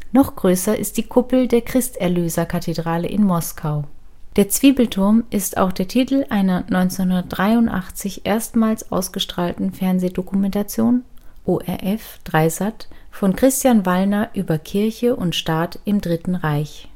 Noch größer ist die Kuppel der Christ-Erlöser-Kathedrale in Moskau. " Der Zwiebelturm " ist auch der Titel einer 1983 erstmals ausgestrahlten Fernsehdokumentation (ORF, 3sat) von Christian Wallner über Kirche und Staat im Dritten Reich